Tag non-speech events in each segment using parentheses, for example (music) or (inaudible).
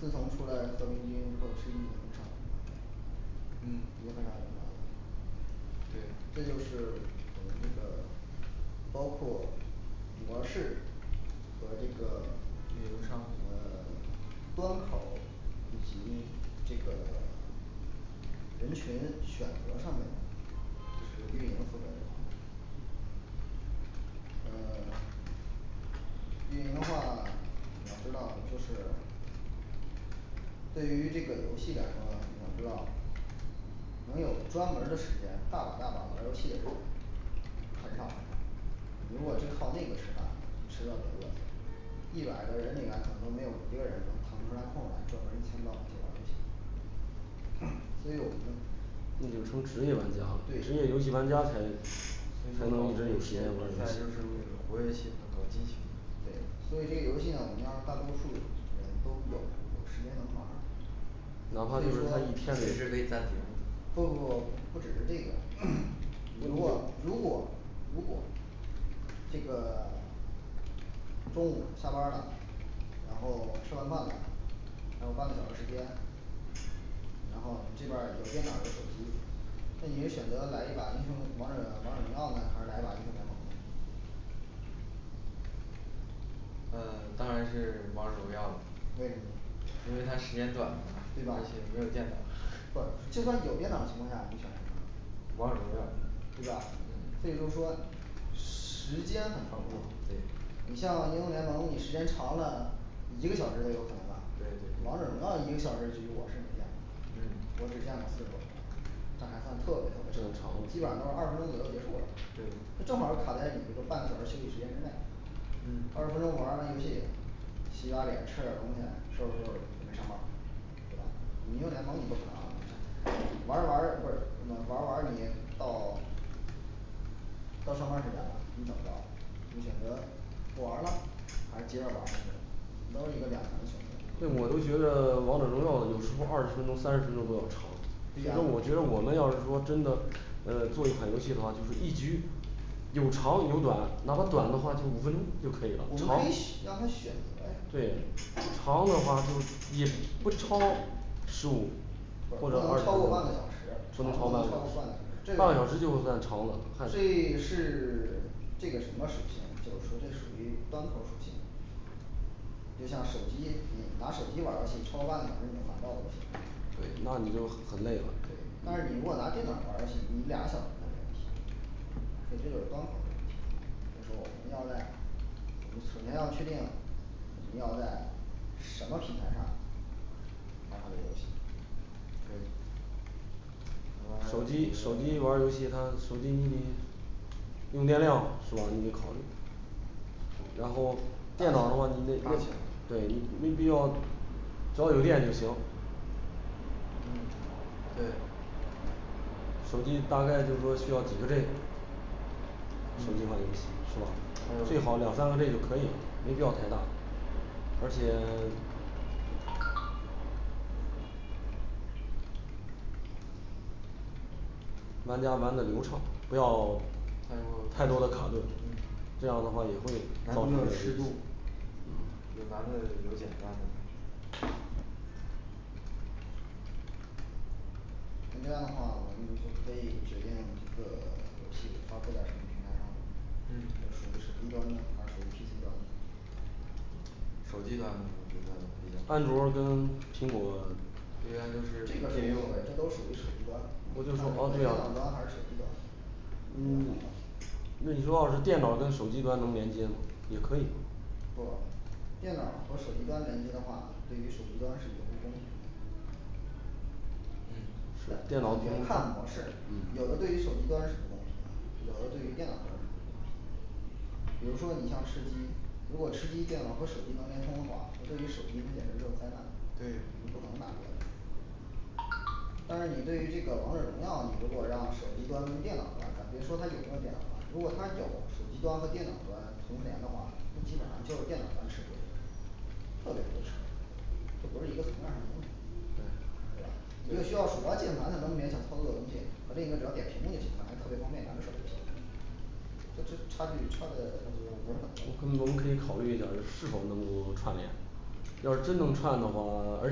自从出来和平精英之后吃鸡游戏差不多了嗯对，这就是我们这个包括和这个运营商 (silence) 呃端口以及这个 (silence) 人群选择上面的这是运营负责的东西嗯 (silence) 运营的话，我知道就是对于这个游戏来说，我知道能有专门儿的时间大把大把玩儿游戏的人很少如果真靠那个吃饭，你迟早得饿死一百个人里面可能都没有一个人能腾出来，空儿来专门儿一天到晚就玩儿游戏 (crosstalk) 所以我那们就成职业玩家了，，对职业游戏玩家才才能一直有时间玩儿还游有戏就活跃气氛搞激情，所以这个游戏呢我们要是大多数人都有有时间的话，哪怕就是他一天随。时可以暂停不不不，不只是这个 (crosstalk) 如果如果这个 (silence) 中午下班儿了，然后吃完饭了，还有半个小时时间，然后你这边儿有电脑有手机，那你就选择来一把英雄王者王者荣耀呢，还是来一把英雄联盟呢？呃当然是王者荣耀了，为什么？因为它时间短啊而且没有电脑， (noise) 不就算有电脑的情况下你选什么？王者荣耀嗯对吧嗯所以就说时间很快过对，你像英雄联盟你时间长了，一个小时都有可能吧对对王者荣耀一个小时就，我只占了嗯四个，这还算错了，基本上都二十分钟左右结束了对，正好卡在你这个半个小时休息时间之内嗯二十分钟玩玩儿游戏，洗把脸吃点儿东西，收拾收拾准备上班儿，对吧？你英雄联盟你不排行不上玩儿着玩儿着不是玩儿玩儿着，你到到上班儿时间了你怎么着？你选择。不玩儿了。 还是接着玩儿，都是一个两难的选择不我都觉得王者荣耀有时候二十分钟三十分钟都要超。其实我觉得我们要是说真的嗯做一款游戏的话，就是一局有长有短，哪怕短的话就五分钟就可以了我们长，可以选 (unintelligible) 让他选对呗。长的话就也不超十五不或者能超过半个小时，不能超过半个小二时，十半个小时就算超了，这是 (silence) 这个什么属性？就是说这属于端口属性就像手机，你拿手机玩儿游戏你超过半个小时你就游戏。对，那你就很累了，对，但是你如果拿电脑玩儿游戏你俩个小时都没问题对这就端口的问题。这是我们要的。我们首先要确定我们要在什么平台上玩儿这个游戏对手机手机玩儿游戏，他手机你得用电量是吧？你得考虑。然后电脑的话你得没 (unintelligible) 对没必要，只要有电就行。嗯对手机大概就是说需要几个G手机没问题， 是吧最好嗯两三个G也可以没必要太大。而且 (silence) 玩家玩的流畅，不要太多的太多的考虑，这样的话也会造成嗯对咱们有点帮助那这样的话我们就可以决定这个游戏发布点儿什么，它嗯属于手机端的还是属于PC端的？手机端的我觉得比较好安，卓儿跟苹果。一般都这个是应用，这都属于手机端，我就说啊对呀还是手机端？你那你说要是电脑跟手机端能连接也可以。不电脑和手机端连接的话，对于手机端是个不公平嗯是电脑平看时模式有嗯的对于手机端是不公平的有的对于电脑端是不公平的比如说你像吃鸡，如果吃鸡电脑和手机能连通的话，对于手机那简直就是灾难。对你不可能打过的。但是你对于这个王者荣耀，你如果让手机端跟电脑端的，咱别说他有没有电脑端，如果她有手机端和电脑端同时连的话，那基本上就是电脑上吃亏这不是一个层面儿上的问题。对对吧？&对&一个需要鼠标键盘能联想操作的东西，它这里面只要点屏幕就行了，还特别方便咱们手机了他这差距差的就没法，我们可以考虑一下是否能够串联，要真能串的话， (silence) 而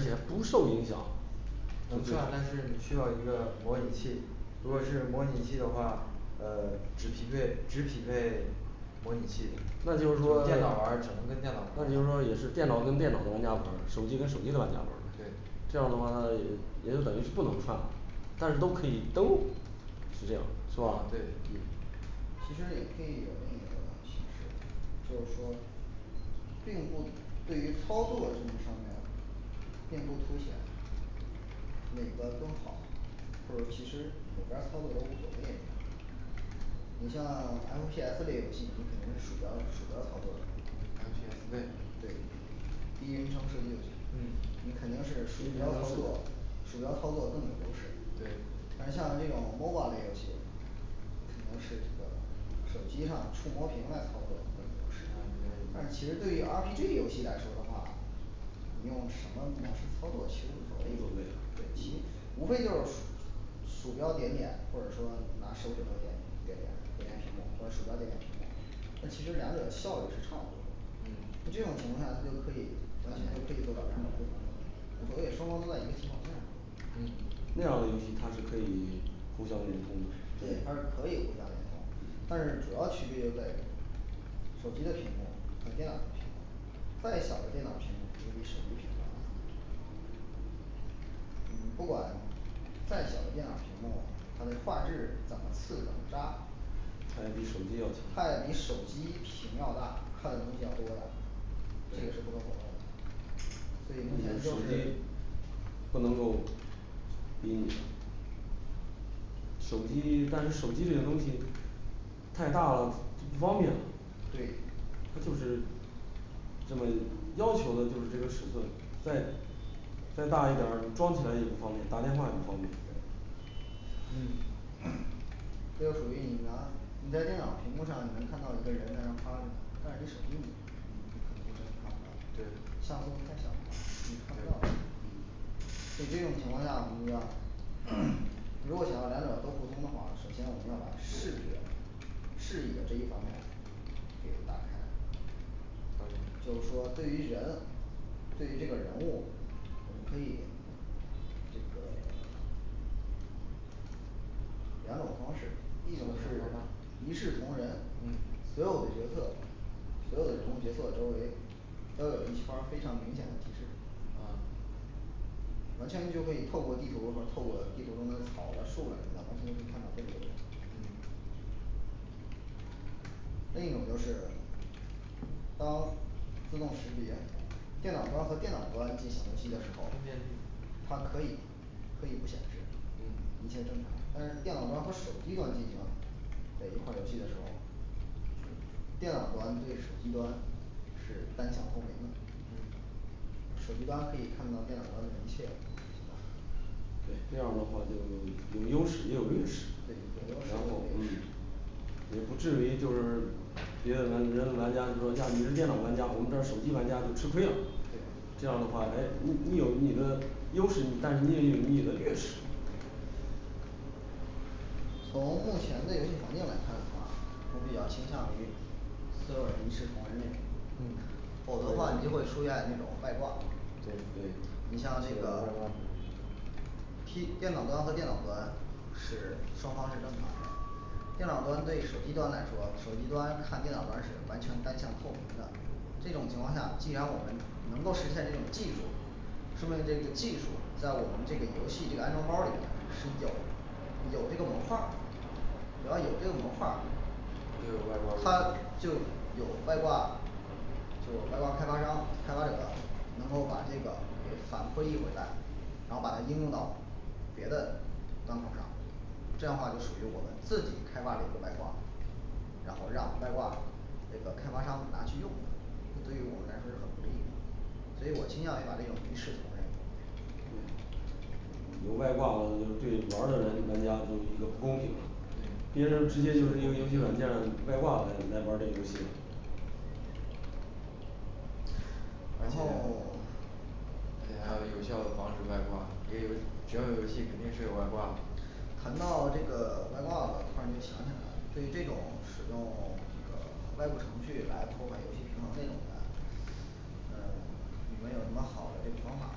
且不受影响。能串，但是你需要一个模拟器，如果是模拟器的话，呃只匹配只匹配模拟器那就是说，那电脑玩儿只能跟电脑玩就是儿，说也是电脑跟电脑玩家玩儿，手机跟手机的玩家玩儿对。这样的话 (silence) 也就等于是不能串但是都可以登录。是这样是吧？嗯对其实也可以有一定的形式。就是说并不对于操作这个方面并不凸显哪个更好或者其实里边儿操作都无所谓了你像M P S类游戏，你肯定是鼠标鼠标操作的。对。对嗯第一人称数据嗯你肯定是鼠标操作，鼠标操作更有优势对，但是像这种MOBA类游戏，只能是一个手机上的触摸屏来操作的模式，但是其实对于R P G游戏来说的话你用什么模式操作其实无所谓，对不对？无非就是鼠标点点或者说拿手指头点点点点点屏幕或者鼠标点点屏幕，这其实两者效率是差不多的，这种情况下它可以完全就可以做到两种不同的无所谓双方都在一个起跑线上。嗯那样的游戏它是可以互相联通对它是可以互相联通的。但是主要区别就在于手机的屏幕和电脑的屏幕，再小的电脑屏幕都比手机屏幕要大嗯不管再小的电脑屏幕，它的画质怎么次怎么渣他也比手机要它也强要，比手机屏要大，看的东西要多点儿，这个是不可否认的所以目前手机不能够比手机但是手机这个东西太大了，不方便对。他就是这个要求的就是这个尺寸再再大一点儿，装起来也不方便，打电话也不方便。对嗯 (crosstalk) 这个属于你的，你在电脑屏幕上你能看到一个人在那儿趴着的，但是你手机你你，可能就真看不到了，对像素太小了。你看不到这几种情况下，我们要 (hesitation) &比如说如果想要两者都互通的话，首先我们要把视觉视觉这一方面给打开嗯就是说对于人，对于这个人物，我们可以这个 (silence) 两种方式，一种是一视同仁，嗯所有的角色，所有的人物角色周围都有一圈儿非常明显的提示。啊完全就可以透过地图和透过地图中的草啊树啊什么的，完全可以看到这个。 (silence) 嗯另一种就是当自动识别电脑端和电脑端进行游戏的分时候辨率，他可以可以不显示嗯一切正常，但是电脑端和手机端进行在一块儿游戏的时候电脑端对手机端是单向透明的嗯，手机端可以看到电脑上的一切。对，这样的话就有优势也有劣势对有优势，然后嗯也有劣势也不至于就是别的人人玩家就说呀你是电脑玩家，我们这儿手机玩家就吃亏了对，这样的话哎你你有你的优势，你但是你也有你的劣势。从目前的游戏环境来看的话，我比较倾向于所有人一视同仁这种嗯，否则的话你就会出现那种外挂对。你像这个 (silence) P电脑端和电脑端，是双方是正常的。电脑端对手机端来说，手机端看电脑端是完全单向透明的，这种情况下，既然我们能够实现这种技术说明这个技术在我们这个游戏这个安装包里面是有有这个模块儿，主要有这个模块儿他他就就有有外外挂挂，就外挂开发商开发者能够把给这个反推回来，然后把它应用到别的端口上，这样的话就属于我们自己开发了一个外挂然后让外挂这个开发商拿去用，对于我们来说是很不利的。 所以我倾向于把这种一视同仁，&对&有外挂的，就对玩儿的游戏玩家就是一个不公平。对别人直接就是因为游戏软件儿外挂来玩儿个游戏。而然后且还要有效的防止外挂，因为只要有游戏肯定是有外挂的。谈到这个外挂的话你就想起来了，对于这种使用这个外部程序来破坏游戏平衡这种的呃你们有什么好的这个方法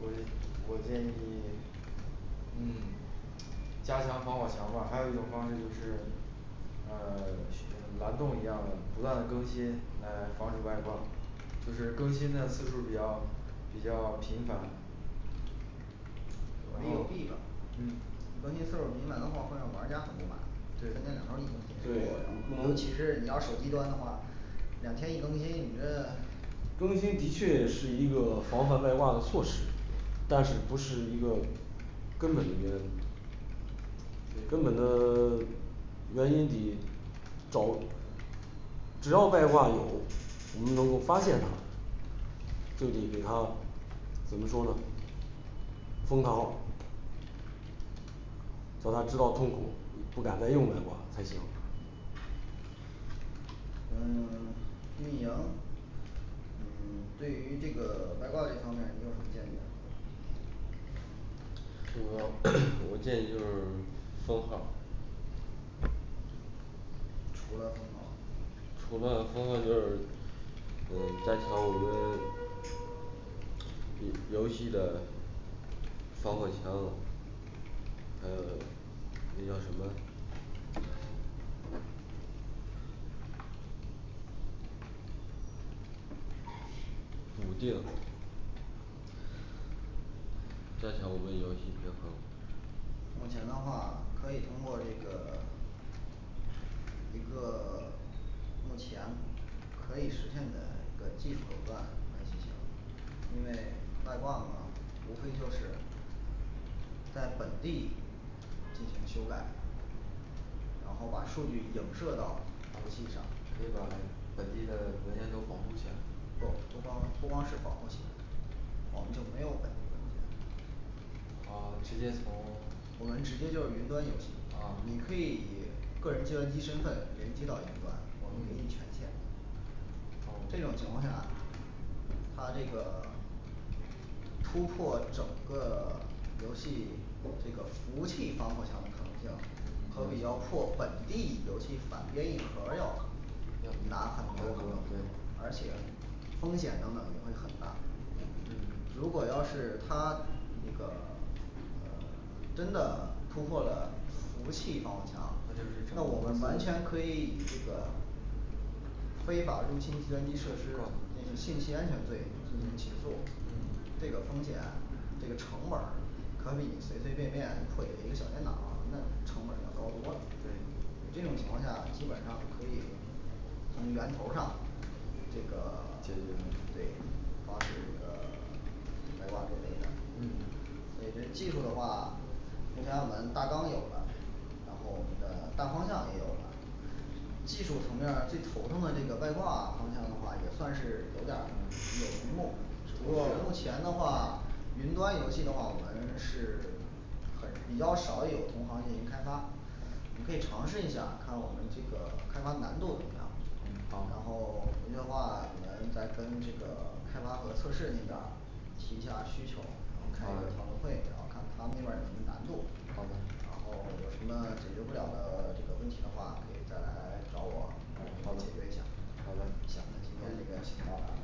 我我建议 (silence) 嗯加强防火墙吧还有一种方式就是，呃蓝洞一样的不断的更新来防止外挂，就是更新的次数比较比较频繁，没有地，方嗯关键次数频繁的话会让玩家很不满三天两对头儿一更新对，啊你这其实你要手机端的话，两天一更新，你这 (silence) 更新的确是一个防范外挂的措施，但是不是一个根本的原根本的 (silence) 原因比找只要外挂有，我们能够发现它就得给他怎么说呢？风投叫他知道痛苦，你不敢再用外挂才行。嗯 (silence) 运营，嗯 (silence) 对于这个外挂这方面儿你有什么建议呢？我 (hesitation) 我建议就是封号儿除了封号儿除了封号儿就是，嗯加强我们一 (unintelligible) 游戏的防火墙，还有那叫什么？固定加强我们的游戏，目前的话可以通过这个 (silence) 一个 (silence) 目前可以实现的一个技术手段来进行因为外挂嘛无非就是在本地进行修改然后把数据影射到服务器上，不可以把本地的文件都保护起来，不光不光是保护起来我们就没有本地。我们直接就云端游戏，你可以以个人计算机身份连接到云端，我们给你权限。啊直接从啊这种情况啊下他这个 (silence) 突破整个 (silence) 游戏这个服务器防火墙的可能性可比要破本地游戏反编译壳儿要要难很多多对，而且风险等等也会很大，如果要是他这个 (silence) 呃 (silence) 真的突破了服务器防火墙，那我们完全可以以这个非法入侵计算机设施嘛信息安全罪进行起嗯诉，嗯这个风险这个成本儿可比你随随便便破解一个小电脑那成本儿要高多了对，这种情况下基本上可以从源头上这个解决问题 (silence) 对。 防止这个 (silence) 外挂这类的嗯，所以这个技术的话，目前我们大纲有了然后我们的大方向也有了技术层面儿最头痛的这个外挂方向的话也算是有点儿有眉目。只不过目前的话云端游戏的话，我们是 (silence) 很比较少有同行进行开发，我们可以尝试一下，看看我们这个开发难度怎么样，好然后不行的话你们再跟这个开发和测试那边儿提一下儿需求，然后开个讨论会，然后看他们那边儿有什么难度，然好后的有什么解决不了的这个问题的话，可以再来找我好帮着解决一下好行那的的今天这个先到这儿。